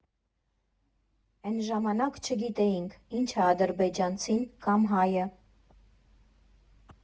Էն ժամանակ չգիտեինք ինչ ա ադրբեջանցին կամ հայը։